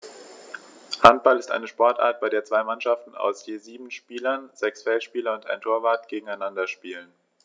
Handball ist eine Sportart, bei der zwei Mannschaften aus je sieben Spielern (sechs Feldspieler und ein Torwart) gegeneinander spielen.